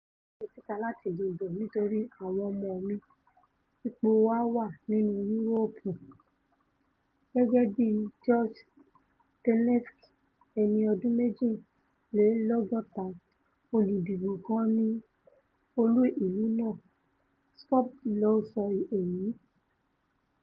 'Mo jáde síta láti dìbò nítorí àwọn ọmọ mi, ipò wa wà nínú Yúróòpù,'' gẹ́gẹ́ bíi Gjose Tanevski, ẹni ọdún méjìlélọ́gọ́ta, olùdìbo kan ní olù-ìlú náà, Skopje ló sọ èyí.